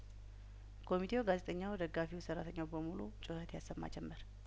ኮሚቴው ጋዜጠኛው ደጋፊው ሰራተኛው በሙሉ ጩኸት ያሰማ ጀመር